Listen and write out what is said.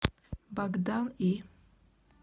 богдан и